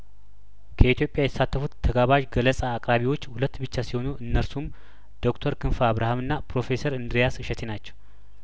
ከኢትዮጵያ የተሳተፉት ተጋባዥ ገለጻ አቅራቢዎች ሁለት ብቻ ሲሆኑ እነርሱም ዶክተር ክንፈ አብርሀምና ፕሮፌሰር እንድሪያስ እሸቴ ናቸው